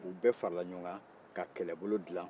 u bɛɛ farala ɲɔgɔn kan ka kɛlɛbolo dilan